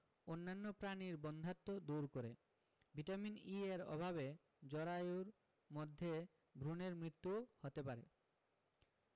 অন্যান্য প্রাণীর বন্ধ্যাত্ব দূর করে ভিটামিন E এর অভাবে জরায়ুর মধ্যে ভ্রুনের মৃত্যুও হতে পারে